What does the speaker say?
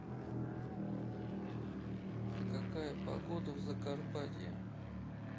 а какая погода в закарпатье